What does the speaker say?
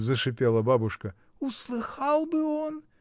— зашипела бабушка, — услыхал бы он!